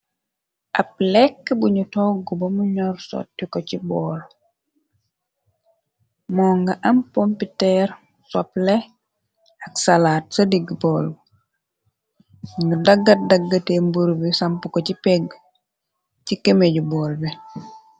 Ab lekk buñu togg bamu ñoor, sotti ko ci bool, moo nga am pomputer, sople, ak salaat sa digg boll, ñu daggat daggate mbur bi samp ko ci pegg, ci keme ju bool bi.